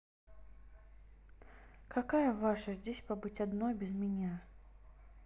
какая ваша здесь побыть одной без меня